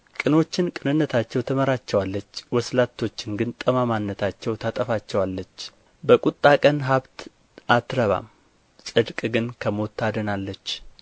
ቅኖች ቅንነታቸው ትመራቸዋለች ወስላቶችን ግን ጠማማነታቸው ታጠፋቸዋለች በቍጣ ቀን ሀብት አትረባም ጽድቅ ግን ከሞት ታድናለች